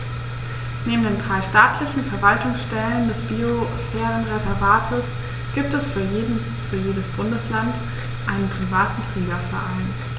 Neben den drei staatlichen Verwaltungsstellen des Biosphärenreservates gibt es für jedes Bundesland einen privaten Trägerverein.